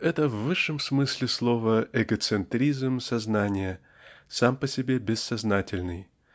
Это в высшем смысле слова эгоцентризм сознания сам по себе бессознательный